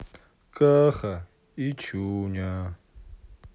каха и чуня